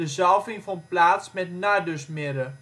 zalving vond plaats met nardusmirre